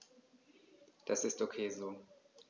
Das ist ok so.